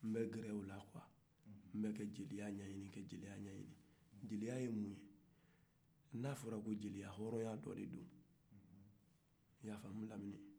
nbɛ gɛrɛ o la quoi nbe ka jeliya ɲɛɲini ka jeliya ɲɛɲini jeliya ye mun ye n'a fɔra ko jeliya hɔɔrɔnya dɔ de don i y'a famu laminɛ